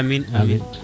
aminn aminn